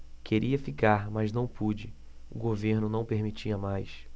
queria ficar mas não pude o governo não permitia mais